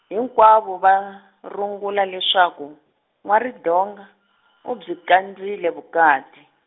hinkwavo va, rungula leswaku, N'wa-Ridonga , u byi kandzile vukati.